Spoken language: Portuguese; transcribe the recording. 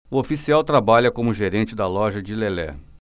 o oficial trabalha como gerente da loja de lelé